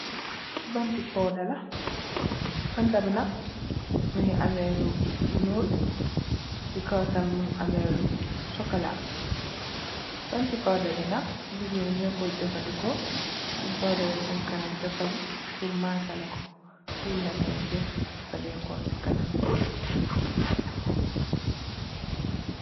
Banti powder la. Banta bi nak mungi ame lu ñuul ci kaw nak mungi ame lu sokola. Bantu powder bi nak jigeen yi nyuku de jefandikoo, sün powder ye seen kanam bi ba pare pur masaleko, guy jel jefandikoo ci kanam.